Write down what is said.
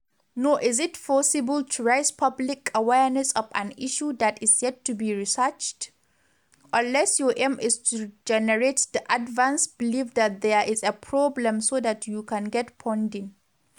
Nor is it possible to raise public awareness of an issue that is yet to be researched, unless your aim is to generate the advance belief that there is a problem so that you can get funding.